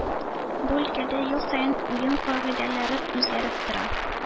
Бу өлкәдә ел саен уен кагыйдәләре үзгәреп тора.